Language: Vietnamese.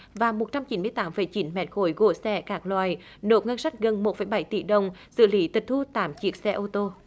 và một trăm chín mươi tám phẩy chín mét khối gỗ xẻ các loại nộp ngân sách gần một phẩy bảy tỷ đồng xử lý tịch thu tạm chiếc xe ô tô